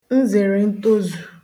nzèrèntozù